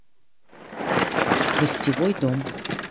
гостевой дом